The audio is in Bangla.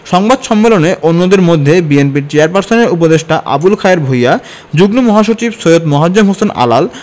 সংবাদ সম্মেলনে অন্যদের মধ্যে বিএনপর চেয়ারপারসনের উপদেষ্টা আবুল খায়ের ভূইয়া যুগ্ম মহাসচিব সৈয়দ মোয়াজ্জেম হোসেন আলাল